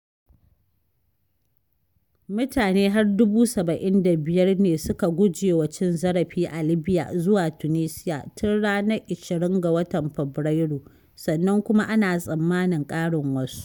Mutane har 75,000 ne suka guje wa cin-zarafi a Libya zuwa Tunusia tun ranar 20 ga watan Fabrairu, sannan kuma ana tsammanin ƙarin wasu.